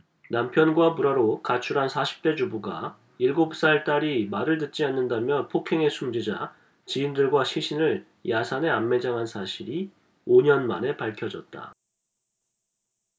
남편과 불화로 가출한 사십 대 주부가 일곱 살 딸이 말을 듣지 않는다며 폭행해 숨지자 지인들과 시신을 야산에 암매장한 사실이 오 년만에 밝혀졌다